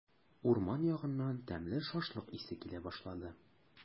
Урман ягыннан тәмле шашлык исе килә башлады.